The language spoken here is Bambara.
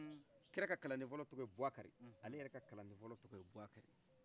kira ka kalanden fɔlɔ tɔgɔye buakari ale yɛrɛ ka kalanden fɔlɔ tɔgɔye buakari